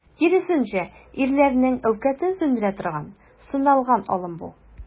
Киресенчә, ирләрнең әүкатен сүндерә торган, сыналган алым бу.